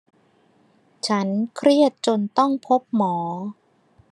ฉันเครียดจนต้องพบหมอ